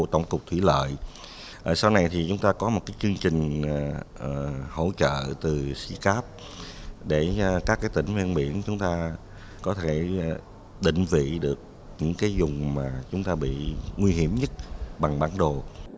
tổng cục thủy lợi ở sau này thì chúng ta có một cái chương trình hỗ trợ từ xi cáp để các tỉnh ven biển chúng ta có thể ạ định vị được những cái dùng mà chúng ta bị nguy hiểm nhất bằng bản đồ